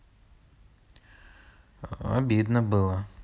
обидно было